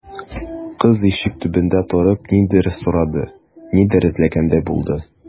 Кыз, ишек төбендә торып, нидер сорады, нидер эзләгәндәй булды.